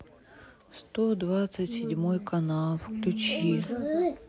сто двадцать седьмой канал включи